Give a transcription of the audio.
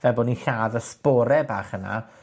fel bo' ni'n lladd y sbore bach yna,